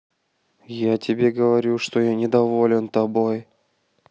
я тебе говорю что я недоволен тобой